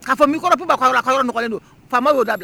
Ka fɔ min kɔrɔpba ka nɔgɔlen don faama y'o dabila